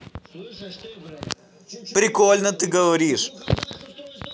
прикольно ты говоришь